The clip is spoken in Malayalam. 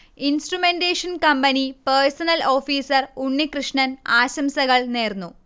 instrumentation company personnel officer Unnikrishnan ആശംസകൾ നേർന്നു